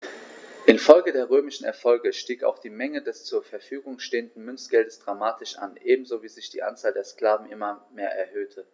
Infolge der römischen Erfolge stieg auch die Menge des zur Verfügung stehenden Münzgeldes dramatisch an, ebenso wie sich die Anzahl der Sklaven immer mehr erhöhte.